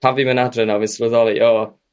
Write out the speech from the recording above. pam fi'n mynd adre nawr fi'n swyddoli o